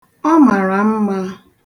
Ọ mara mma.